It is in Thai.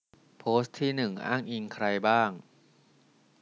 โพสต์ที่หนึ่งอ้างอิงใครบ้าง